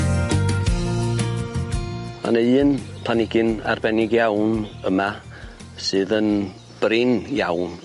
Ma' 'ne un planigyn arbennig iawn yma sydd yn brin iawn.